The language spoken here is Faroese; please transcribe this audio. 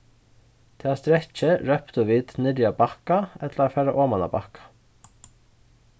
tað strekkið róptu vit niðri á bakka ella at fara oman á bakka